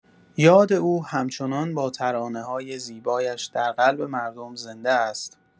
یاد او همچنان با ترانه‌های زیبایش در قلب مردم زنده است.